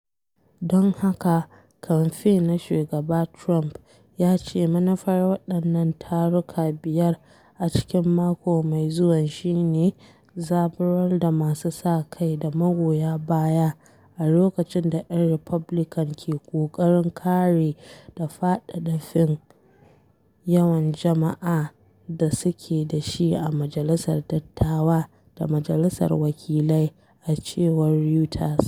Don haka, kamfe na Shugaba Trump ya ce manufar waɗannan taruka biyar a cikin mako mai zuwan shi ne “zaburar da masu sa-kai da magoya baya a lokacin da ‘yan Republican ke ƙoƙarin kare da faɗaɗa fin yawan jama’a da suke da shi a Majalisar Dattawa da Majalisar Wakilai,” a cewar Reuters.